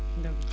d' accord